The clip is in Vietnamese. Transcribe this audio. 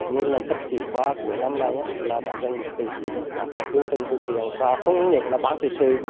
cũng như là xấp xỉ qua cuối năm nay là đã gần một tỷ đó là chương trình từ thiện và không những là ban thời sự